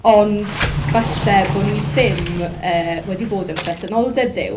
Ond falle bo' ni ddim yy wedi bod yn presenoldeb Duw.